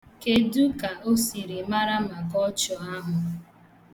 Kedụ ka o siri mara maka ọchụ ahụ?